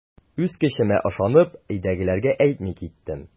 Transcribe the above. Үз көчемә ышанып, өйдәгеләргә әйтми киттем.